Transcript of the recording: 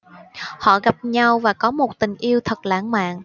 họ gặp nhau và có một tình yêu thật lãng mạn